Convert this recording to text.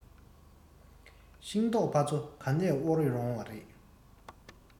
ཤིང ཏོག ཕ ཚོ ག ནས དབོར ཡོང བ རེད